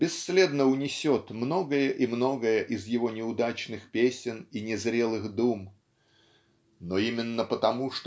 бесследно унесет многое и многое из его неудачных песен и незрелых дум но именно потому